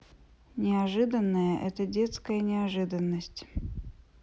неожиданное это детская неожиданность